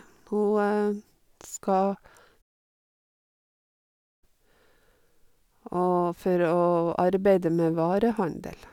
Hun skal og for å arbeide med varehandel.